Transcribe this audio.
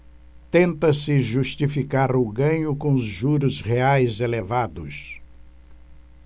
tenta-se justificar o ganho com os juros reais elevados